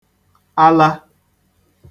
ala